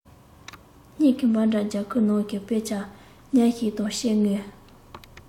སྙིང གི འཕར སྒྲ རྒྱབ ཁུག ནང གི དཔེ ཆ གནམ གཤིས དང སྐྱེ དངོས